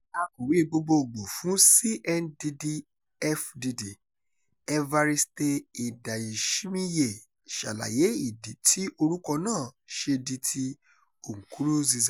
Akọ̀wé gbogboògbò fún CNDD-FDD, Evariste Ndayishimiye ṣàlàyé ìdí tí orúkọ náà ṣe di ti Nkurunziza: